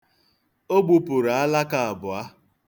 O gbupụrụ alaka abụọ.